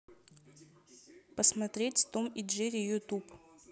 посмотреть том и джерри ютуб